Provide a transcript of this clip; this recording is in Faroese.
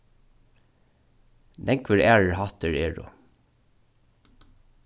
nógvir aðrir hættir eru